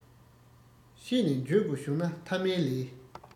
བཤད ནས འགྱོད དགོས བྱུང ན ཐ མའི ལས